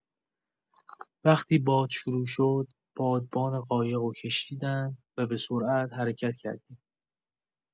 وقتی باد شروع شد، بادبان قایقو کشیدن و به‌سرعت حرکت کردیم.